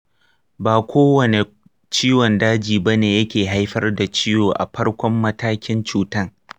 ba kowani ciwon daji bane yake haifar da ciwo a farkon matakin cutan.